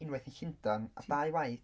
un waith yn Llundain a dau waith...